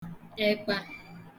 ekpa